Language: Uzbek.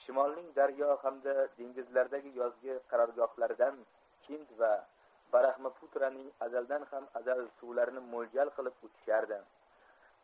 shimolning daryo hamda dengizlaridagi yozgi qarorgohlaridan hind va braxmaputraning azaldan ham azal suvlarini mo'ljal qilib uchishardi